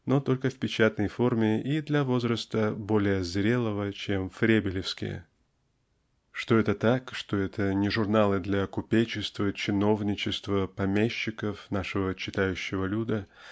но только в печатной форме и для возраста более зрелого чем. фребелевские. Что это так что это не журналы для купечества чиновничества помещиков -- нашего читающего люда